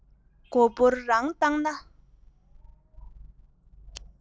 མགོ པོར རང བཏང ན